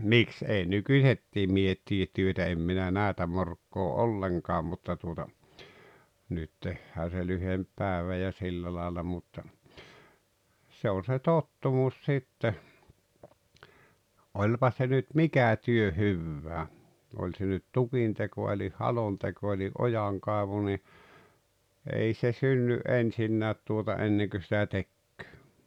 miksi ei nykyisetkin miehet tee työtä en minä näitä morkkaa ollenkaan mutta tuota nyt tehdään se lyhempi päivä ja sillä lailla mutta se on se tottumus sitten olipa se nyt mikä työ hyvänsä oli se nyt tukinteko eli halonteko eli ojankaivu niin ei se synny ensinkään tuota ennen kuin sitä tekee